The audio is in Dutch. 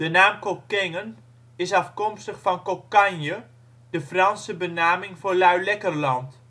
naam Kockengen is afkomstig van Cocagne, de Franse benaming voor Luilekkerland